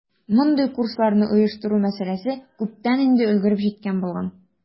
Мондый курсларны оештыру мәсьәләсе күптән инде өлгереп җиткән булган.